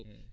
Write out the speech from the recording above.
eeyi